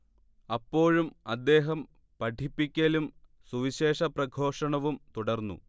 അപ്പോഴും അദ്ദേഹം പഠിപ്പിക്കലും സുവിശേഷ പ്രഘോഷണവും തുടർന്നു